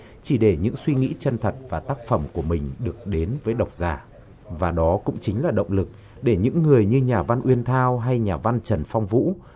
chỉ để những suy nghĩ chân thật và tác phẩm của mình được đến với độc giả và đó cũng chính là động lực để những người như nhà văn uyên thao hay nhà văn trần phong vũ